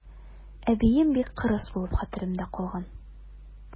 Әбием бик кырыс булып хәтеремдә калган.